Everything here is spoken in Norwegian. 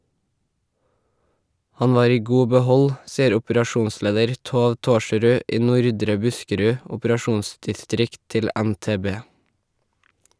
Han var i god behold , sier operasjonsleder Thov Thorsrud i Nordre Buskerud operasjonsdistrikt til NTB.